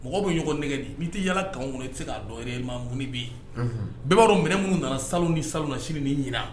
Mɔgɔ bɛ ɲɔgɔn nɛgɛ de n tɛ yala kan kɔnɔ tɛ se kaa dɔ ma mununi bɛ yen bbawdɔ minɛ minnu nana sa ni sa nasi ni ɲin